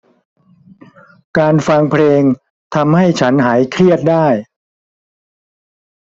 การฟังเพลงทำให้ฉันหายเครียดได้